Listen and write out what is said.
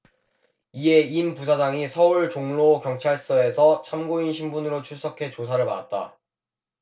이에 임 부시장이 서울 종로경찰서에서 참고인 신분으로 출석해 조사를 받았다